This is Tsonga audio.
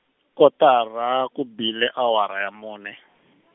kotara ku bile awara ya mune.